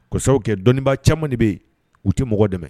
K'o sababu kɛ dɔnnibaga caman de bɛ ye u tɛ mɔgɔ dɛmɛ.